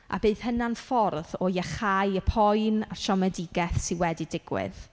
A bydd hynna'n ffordd o iacháu y poen a'r siomedigaeth sy wedi digwydd.